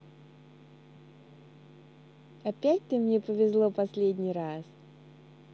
опять ты мне повезло последний раз